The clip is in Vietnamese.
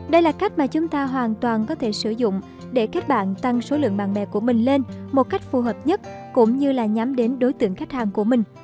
đây là cách mà chúng ta hoàn toàn có thể sử dụng để kết bạn tăng số lượng bạn bè của mình lên cách phù hợp nhất cũng như là nhắm đến đối tượng khách hàng của mình